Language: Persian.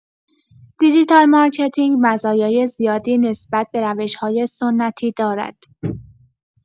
دیجیتال مارکتینگ مزایای زیادی نسبت به روش‌های سنتی دارد.